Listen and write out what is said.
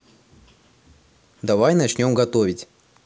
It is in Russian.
давай начнем готовить